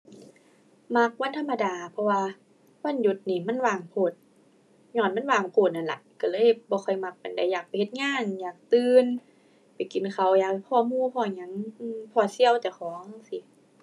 มักวันธรรมดา เพราะว่าวันหยุดนี่มันว่างโพด ญ้อนมันว่างโพดนั่นล่ะ ก็เลยบ่ค่อยมักปานใด อยากไปเฮ็ดงาน อยากตื่นไปกินข้าว อยากพ้อหมู่ พ้อหยัง อือ พ้อเสี่ยวเจ้าของจั่งซี้